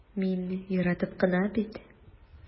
Мин яратып кына бит...